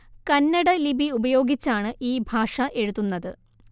കന്നട ലിപി ഉപയോഗിച്ചാണ് ഈ ഭാഷ എഴുതുന്നത്